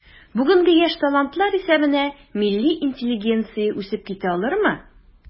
Бүгенге яшь талантлар исәбенә милли интеллигенция үсеп китә алырмы?